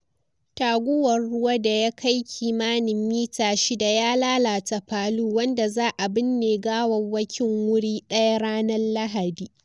Taguwar ruwa da ya kai kimanin mita shida ya lalata Palu wanda za a binne gawawwakin wuri daya ranar Lahadi.